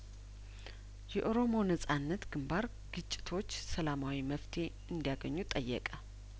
የኦሮሞ ነጻነት ግንባር ግጭቶች ሰላማዊ መፍትሄ እንዲ ያገኙ ጠየቀ